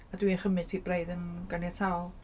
A dwi'n chymryd hi braidd yn ganiataol...